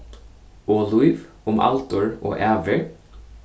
og lív um aldur og ævir